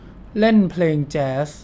เล่นเพลงแจ๊ส